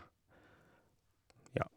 Ja.